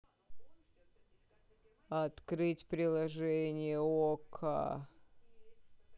открыть приложение окко